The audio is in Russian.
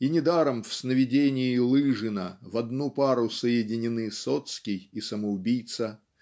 и недаром в сновидении Лыжина в одну пару соединены сотский и самоубийца